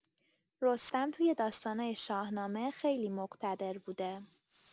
رستم توی داستان‌های شاهنامه خیلی مقتدر بوده.